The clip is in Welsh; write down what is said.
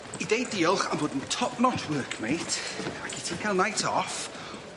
I deud diolch am bod yn top notch workmate ac i ti ca'l night off